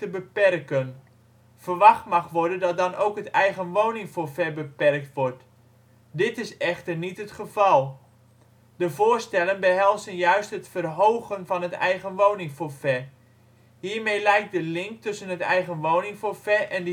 beperken. Verwacht mag worden dat dan ook het eigenwoningforfait beperkt wordt. Dit is echter niet het geval, de voorstellen behelsen juist het verhogen van het eigenwoningforfait. Hiermee lijkt de link tussen het eigenwoningforfait en